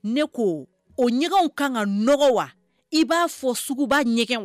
Ne ko o ɲɛgɛnw kan ka n nɔgɔɔgɔ wa i b'a fɔ suguba ɲɛgɛn